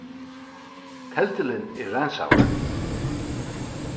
teldilin er reinsaður